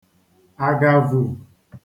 àgàvù